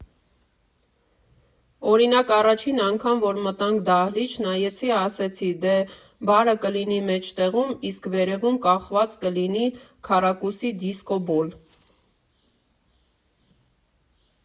Օրինակ՝ առաջին անգամ, որ մտանք դահլիճ, նայեցի, ասեցի՝ դե բարը կլինի մեջտեղում, իսկ վերևում կախած կլինի քառակուսի դիսկո֊բոլ։